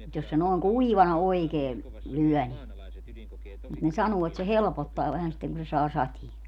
mutta jos se noin kuivana oikein lyö niin mutta ne sanoo että se helpottaa vähän sitten kun se saa sateen